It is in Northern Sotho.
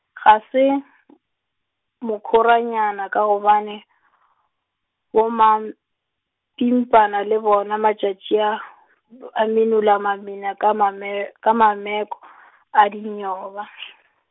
ga se, m- mokhoranyana ka gobane , bomapimpana le bona matšatši a , b- a minola mamina ka mame- ka mameko , a dinyoba .